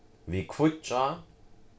við kvíggjá